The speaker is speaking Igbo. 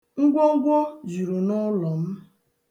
Ngwongwo juru n'ụlọ m.